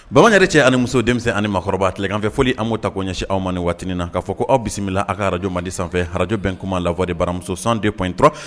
Bamanan yɛrɛ cɛ ani muso denmisɛnnin makɔrɔba tileganfɛ fɔli an' ta ko ɲɛsin aw ma ni waati na k'a ko aw bisimila aw ka ararajomadi sanfɛ arajbɛn kuma lawaledi baramusosɔn dep dɔrɔn